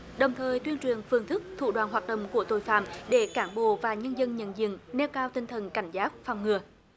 đồng thời tuyên truyền phương thức thủ đoạn hoạt động của tội phạm để cán bộ và nhân dân nhận diện nêu cao tinh thần cảnh giác phòng ngừa